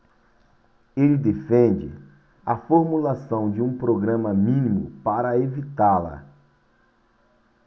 ele defende a formulação de um programa mínimo para evitá-la